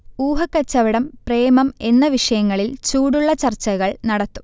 ഊഹക്കച്ചവടം, പ്രേമം എന്ന വിഷയങ്ങളിൽ ചൂടുള്ള ചർച്ചകൾ നടത്തും